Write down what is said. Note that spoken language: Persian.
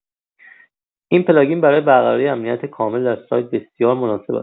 این پلاگین برای برقراری امنیت کامل در سایت بسیار مناسب است.